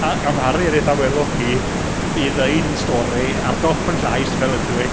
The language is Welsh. A amharu ar ei thawelwch hi i ddweud y'n stori, ar dop yn llais fel ydw i.